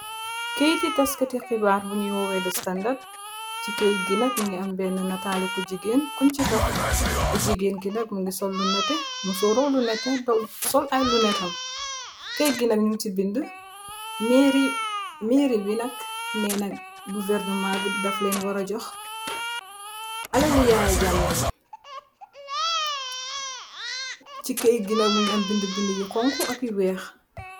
keyti taskati xibaar buñu yoowee da standard ci key ginag mu ngi am bnn natali ku jigeen koñ ci taf ku jigeen gi na mu ngi sol lu nete mu soo roolu nete sol alu netam key gina ni ci bind meeri binak neena guvernument bi dafaleen wara jox aleli yaaye jàmme be ci key gina mungi am bind bind yu xonxu aky weex